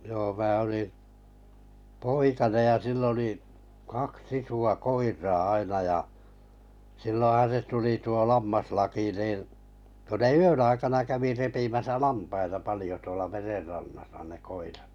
joo minä olin poikanen ja sillä oli kaksi isoa koiraa aina ja silloinhan se tuli tuo lammaslaki niin kun ne yön aikana kävi repimässä lampaita paljon tuolla merenrannassa ne koirat